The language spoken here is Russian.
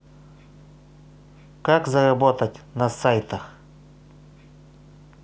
как заработать на сайтах